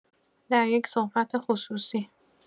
در یک صحبت خصوصی